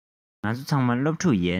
ང ཚོ ཚང མ སློབ ཕྲུག ཡིན